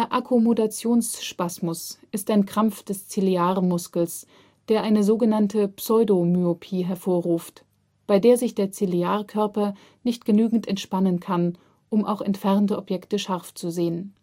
Akkommodationsspasmus ist ein Krampf des Ziliarmuskels, der eine so genannte Pseudomyopie hervorruft, bei der sich der Ziliarkörper nicht genügend entspannen kann, um auch entfernte Objekte scharf zu sehen